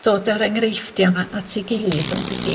dod a'r enghreifftia' 'ma at 'u gilydd yn dydi?